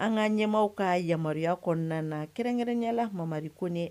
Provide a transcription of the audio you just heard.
An ka ɲɛma ka yamaruya kɔnɔna na kɛrɛnkɛrɛn ɲɛ la mamari ko ye